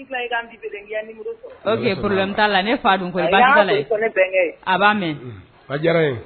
A la fa'a